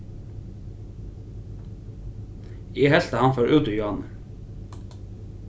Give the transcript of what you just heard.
eg helt at hann fór út í áðni